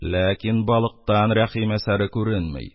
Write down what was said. Ләкин балыктан рәхим әсәре күренми.